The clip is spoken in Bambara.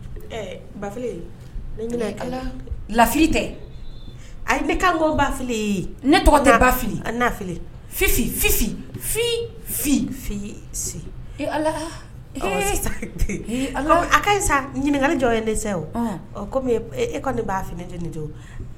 Tɛ ne kan ba fili ne tɔgɔ ba fili fili fi fi fi a ɲininkakali jɔ yesa o kɔmi e kɔni ba fini